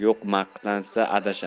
yo'q maqtansa adashar